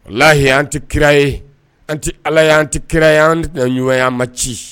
Lahi an tɛ kira ye an tɛ ala y an tɛ kira ye an na ɲɔgɔnɲɔgɔnya ma ci